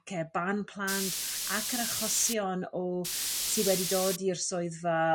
ac ee barn plant ac yr achosion o sydd wedi dod i'r swyddfa